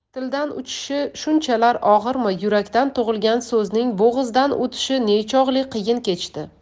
tildan uchishi shunchalar og'irmi yurakda tug'ilgan so'zning bo'g'izdan o'tishi nechog'li qiyin kechdi